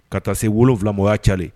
Ka taa se wolonwula 7 ma o y'a cayalen ye.